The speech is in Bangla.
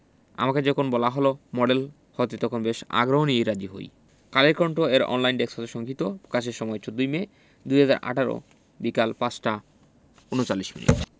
আমাকে যখন বলা হলো মডেল হচ্ছে তখন বেশ আগ্রহ নিয়েই রাজি হই কালের কণ্ঠ এর অনলাইনে ডেক্স হতে সংগিহীত পকাশের সময় ১৪মে ২০১৮ বিকেল ৫টা ৩৯ মিনিট